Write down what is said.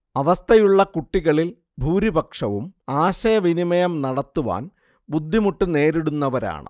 അവസ്ഥയുള്ള കുട്ടികളിൽ ഭൂരിപക്ഷവും ആശയവിനിമയം നടത്തുവാൻ ബുദ്ധിമുട്ട് നേരിടുന്നവരാണ്